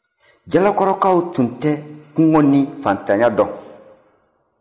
jalakɔrɔkaw tun tɛ kɔngɔ ni faantanya dɔn